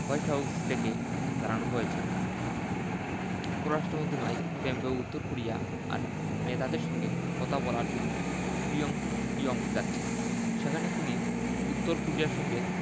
white House থেকে জানানো হয়েছে পররাষ্ট্রমন্ত্রী মাইক পেম্পে উত্তর কোরিয়ার আর নেতাদের সঙ্গে কথা বলার জন্য পিয়ংইয়ং যাচ্ছেন সেখানে তিনি উত্তর কোরিয়ার সঙ্গে